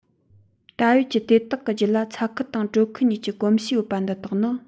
ད ཡོད ཀྱི དེ དག གི རྒྱུད ལ ཚ ཁུལ དང དྲོ ཁུལ གཉིས ཀྱི གོམས གཤིས ཡོད པ འདི དག ནི